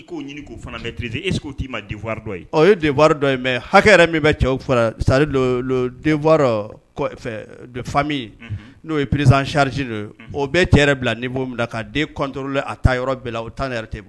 I k'u ɲini k' fana tirise e t'i ma diwa dɔ ye o yewa dɔ mɛ hakɛ min bɛ cɛw sarifa fa n'o ye pereriz sarisi o bɛɛ cɛ yɛrɛ bila ni'o min na' den kɔnla a taa yɔrɔ bɛɛ la o taa yɛrɛ bɔ